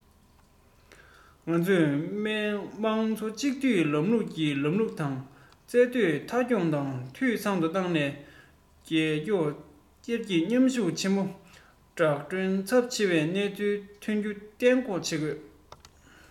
ང ཚོས དམངས གཙོ གཅིག སྡུད ལམ ལུགས ཀྱི ལམ ལུགས དང རྩ དོན མཐའ འཁྱོངས དང འཐུས ཚང དུ བཏང ནས རྒྱལ སྐྱོང སྲིད གཉེར གྱི མཉམ ཤུགས ཆེན པོ རང གྲོན ཚབས ཆེ བའི སྣང ཚུལ ཐོན རྒྱུ གཏན འགོག བྱེད དགོས